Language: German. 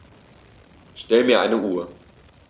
Stell mir eine Uhr.